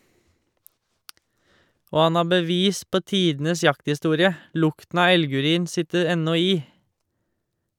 Og han har bevis på tidenes jakthistorie - lukten av elgurin sitter ennå i.